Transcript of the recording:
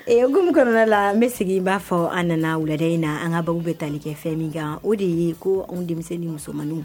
Ee gumu kɔnɔna la n bɛ sigi n b'a fɔ an nana wulada in na an ka baw bɛ tali kɛ fɛn min kan o de ye ko anw denmisɛnnin musomanmaniw